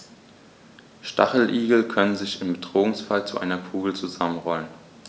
Stacheligel können sich im Bedrohungsfall zu einer Kugel zusammenrollen.